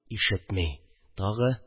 Ишетми... тагы.